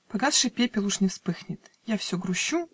Погасший пепел уж не вспыхнет, Я все грущу